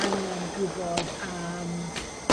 angen gw'bod am